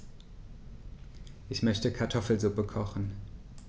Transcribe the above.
Ich möchte Kartoffelsuppe kochen.